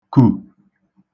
kù